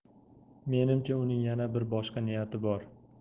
menimcha uning yana bir boshqa niyati bor